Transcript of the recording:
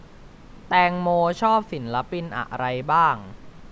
แตงโมชอบศิลปินอะไรบ้าง